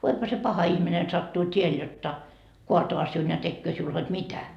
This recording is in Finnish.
voihan se paha ihminen sattua tielle jotta kaataa sinun ja tekee sinulle hod mitä